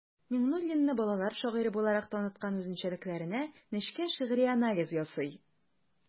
Миңнуллинны балалар шагыйре буларак таныткан үзенчәлекләренә нечкә шигъри анализ ясый.